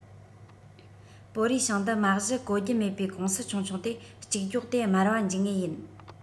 པོ རུའེ ཞང འདི མ གཞི གོ རྒྱུ མེད པའི ཀུང སི ཆུང ཆུང དེ གཅིག སྒྱོགས དེ དམར བ འཇུག ངེས ཡིན